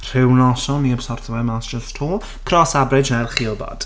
Rhyw noson, ni heb sortio fe mas jyst 'to. Cross that bridge a wna i adael chi wybod.